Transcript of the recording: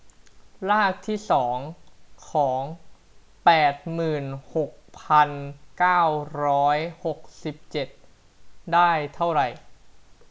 รากที่สองของแปดหมื่นหกพันเก้าร้อยหกสิบเจ็ดได้เท่าไหร่